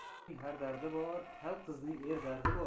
har kimning har dardi bor kal qizning er dardi bor